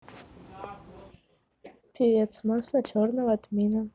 певец масло черного тмина